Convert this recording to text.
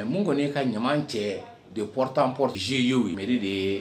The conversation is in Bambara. Mɛ mun kɔni' ka ɲama cɛ de prtap ze yeo yeri de ye